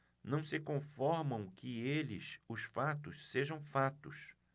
não se conformam que eles os fatos sejam fatos